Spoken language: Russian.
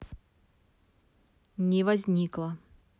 не возникло